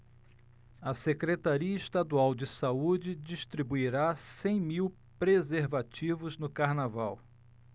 a secretaria estadual de saúde distribuirá cem mil preservativos no carnaval